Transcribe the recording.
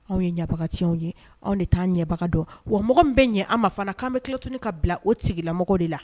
Anw ye ɲɛbagatiɲɛw ye, anw de t'an ɲɛbaga dɔn, wa mɔgɔ min bɛ ɲɛ an ma fana k'an bɛ tila tuguni ka bila o tigilamɔgɔ de la